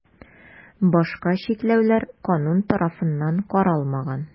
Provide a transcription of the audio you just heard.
Башка чикләүләр канун тарафыннан каралмаган.